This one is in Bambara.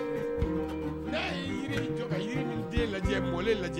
N'a ye yiri jɔ ka nin den lajɛ mɔlen lajɛ